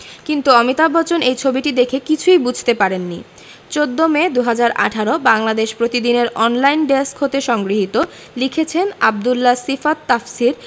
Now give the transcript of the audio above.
কিন্তু অমিতাভ বচ্চন এই ছবিটি দেখে কিছুই বুঝতে পারেননি ১৪মে ২০১৮ বাংলাদেশ প্রতিদিন এর অনলাইন ডেস্ক হতে সংগৃহীত লিখেছেনঃ আব্দুল্লাহ সিফাত তাফসীর